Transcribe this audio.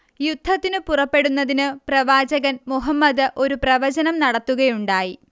യുദ്ധത്തിന് പുറപ്പെടുന്നതിന് പ്രവാചകൻ മുഹമ്മദ് ഒരു പ്രവചനം നടത്തുകയുണ്ടായി